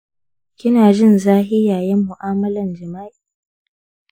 kina jin zafi yayin mu'amalan jima'i